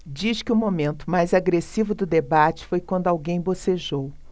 diz que o momento mais agressivo do debate foi quando alguém bocejou